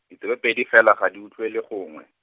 ditsebe pedi fela ga di utlwele gongwe.